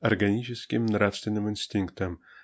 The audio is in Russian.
органическим нравственным инстинктом